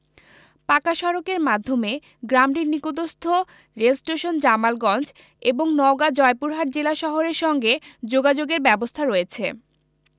পাকা সড়কের মাধ্যমে গ্রামটির নিকটস্থ রেলস্টেশন জামালগঞ্জ এবং নওগাঁ জয়পুরহাট জেলা শহরের সঙ্গে যোগাযোগের ব্যবস্থা রয়েছে